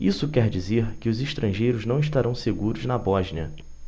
isso quer dizer que os estrangeiros não estarão seguros na bósnia